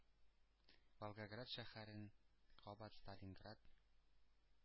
Волгоград шәһәрен кабат Сталинград